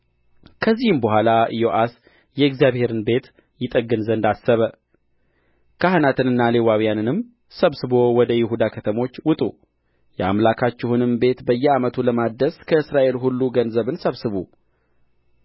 ከዚህም በኋላ ኢዮአስ የእግዚአብሔርን ቤት ይጠግን ዘንድ አሰበ ካህናትንና ሌዋውያንንም ሰብስቦ ወደ ይሁዳ ከተሞች ውጡ የአምላካችሁንም ቤት በየዓመቱ ለማደስ ከእስራኤል ሁሉ ገንዘብን ሰብስቡ